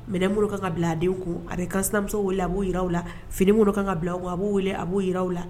N bolo kan ka bila a denw kun a bɛmusow wele a b' jira u la finiinɛ bolo kan ka bila u a b'o wele a b' yi u la